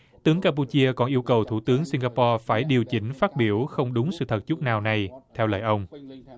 tướng cam pu chia còn yêu cầu thủ tướng sinh ga po phải điều chỉnh phát biểu không đúng sự thật chút nào này theo lời ông